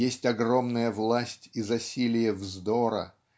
есть огромная власть и засилие вздора